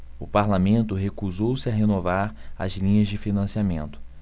o parlamento recusou-se a renovar as linhas de financiamento